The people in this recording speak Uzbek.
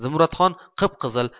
zumradxon qip qizil